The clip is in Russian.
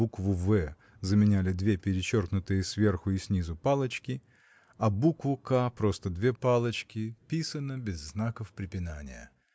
букву в заменяли две перечеркнутые сверху и снизу палочки а букву к просто две палочки писано без знаков препинания.